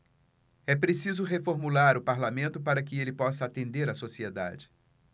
é preciso reformular o parlamento para que ele possa atender a sociedade